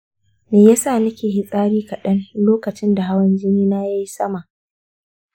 me ya sa nake fitsari kaɗan lokacin da hawan jini na ya yi sama?